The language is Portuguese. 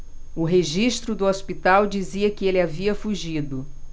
o registro do hospital dizia que ele havia fugido